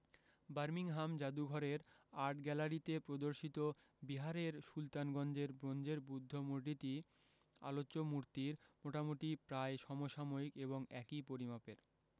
Birmingham জাদুঘরের আর্টগ্যালারিতে প্রদর্শিত বিহারের সুলতানগঞ্জের ব্রোঞ্জের বুদ্ধ মূর্তিটি আলোচ্য মূর্তির মোটামুটি প্রায় সমসাময়িক এবং একই পরিমাপের